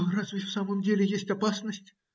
- Разве в самом деле есть опасность?